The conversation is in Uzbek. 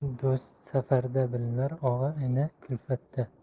do'st safarda bilinar og'a ini kulfatda